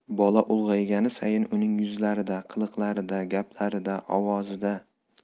bola ulg'aygani sayin uning yuzlarida qiliqlarida gaplarida ovozida